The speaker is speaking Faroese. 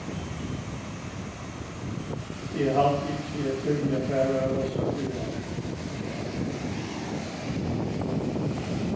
eg haldi ikki eg tími at fara á ólavsøku í ár